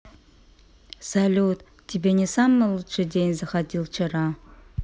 салют тебе не самый лучший день заходил вчера